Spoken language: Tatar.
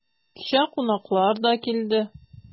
Кичә кунаклар да килде.